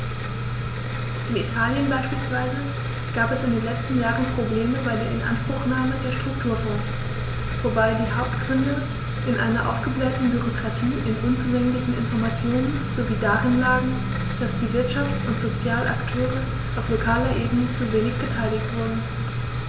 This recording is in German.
In Italien beispielsweise gab es in den letzten Jahren Probleme bei der Inanspruchnahme der Strukturfonds, wobei die Hauptgründe in einer aufgeblähten Bürokratie, in unzulänglichen Informationen sowie darin lagen, dass die Wirtschafts- und Sozialakteure auf lokaler Ebene zu wenig beteiligt wurden.